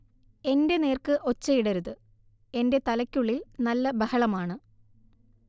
എന്റെ നേർക്ക്ഒച്ചയിടരുത് എന്റെ തലയ്ക്കുള്ളിൽ നല്ല ബഹളമാണ്